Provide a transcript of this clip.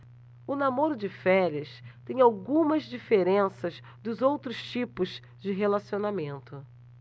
o namoro de férias tem algumas diferenças dos outros tipos de relacionamento